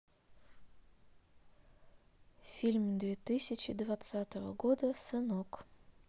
фильм две тысячи двадцатого года сынок